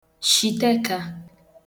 shìteèka